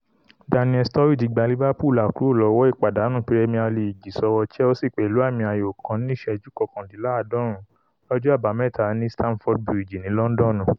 Daniel Sturridge gba Liverpool là kúrò lọ́wọ́ ìpàdánù Pírẹ́míà Líìgì sọ́wọ́ Chelsea pẹ̀lú àmì ayò kan ní ìṣẹ́jú kọkàndínláàádọ́rún lọ́jọ́ Àbámẹ́ta ní Stamford Bridge ní Lọndọnu.